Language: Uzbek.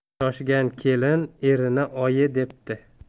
shoshgan kelin erini oyi debdi